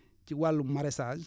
ci wàllum maraichage